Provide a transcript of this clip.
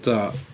Do.